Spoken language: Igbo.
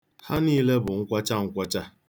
Ha nille bụ nkwọcha nkwọcha.